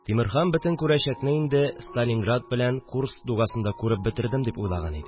Тимерхан бөтен күрәчәкне инде Сталинград белән Курск дугасында күреп бетердем дип уйлаган иде